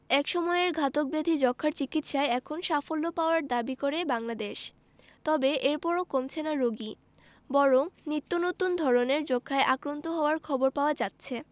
একসময়ের ঘাতক ব্যাধি যক্ষ্মার চিকিৎসায় এখন সাফল্য পাওয়ার দাবি করে বাংলাদেশ তবে এরপরও কমছে না রোগী বরং নিত্যনতুন ধরনের যক্ষ্মায় আক্রান্ত হওয়ার খবর পাওয়া যাচ্ছে